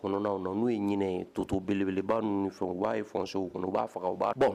N'u ye ɲini tuto bele b'a ninnu fɛn u b'a ye fsow kɔnɔ u b'a faga dɔn